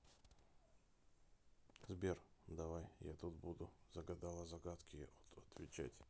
сбер давай я тут буду загадала загадки от отвечать